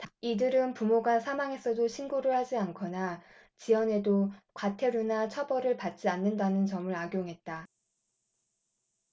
이들은 부모가 사망했어도 신고를 하지 않거나 지연해도 과태료나 처벌을 받지 않는다는 점을 악용했다